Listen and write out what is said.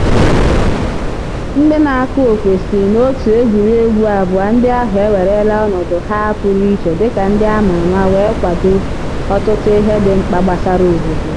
Ndị na-akụ okwe sị n'òtù egwuregwu abụọ ndị ahụ ewerela ọnọdụ ha pụrụ iche dịka ndị àmà àmá wee kwado ọtụtụ ihe dị mkpa gbasara obodo.